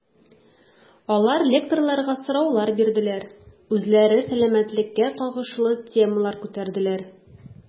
Алар лекторларга сораулар бирделәр, үзләре сәламәтлеккә кагылышлы темалар күтәрделәр.